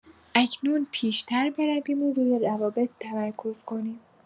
اکنون پیش‌تر برویم و روی روابط تمرکز کنیم.